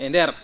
e ndeer